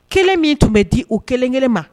Kelen min tun bɛ di o kelenkelen ma